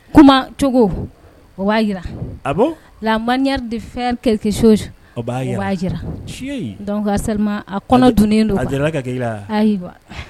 Kuma cogo o jira a labanri de fɛnkesoriri a kɔnɔ dunnen don